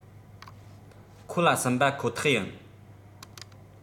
ཁོ ལ སུན པ ཁོ ཐག ཡིན